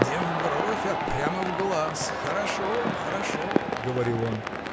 — Не в бровь, а прямо в глаз: хорошо, хорошо! — говорил он.